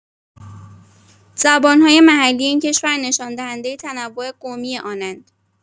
زبان‌های محلی این کشور نشان‌دهنده تنوع قومی آن‌اند.